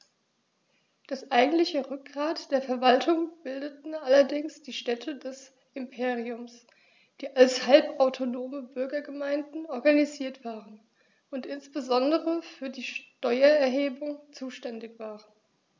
Das eigentliche Rückgrat der Verwaltung bildeten allerdings die Städte des Imperiums, die als halbautonome Bürgergemeinden organisiert waren und insbesondere für die Steuererhebung zuständig waren.